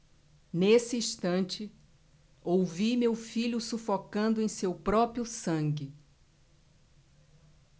nesse instante ouvi meu filho sufocando em seu próprio sangue